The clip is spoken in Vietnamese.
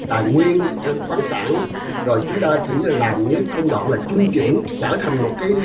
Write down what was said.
tài nguyên khoáng sản rồi chúng ta chỉ làm những cái công đoạn là trung chuyển trở thành một cái